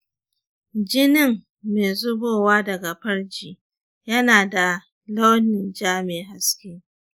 jinin mai zubowa daga farji ya na da launin ja mai haske